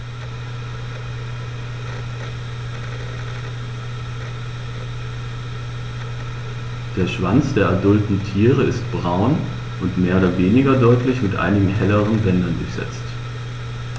Der Schwanz der adulten Tiere ist braun und mehr oder weniger deutlich mit einigen helleren Bändern durchsetzt.